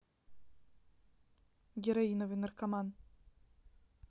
героиновый наркоман